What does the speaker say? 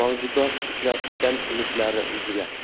mavjudot uchratishdan umidlarini uzdilar